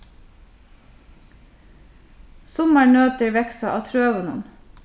summar nøtir vaksa á trøunum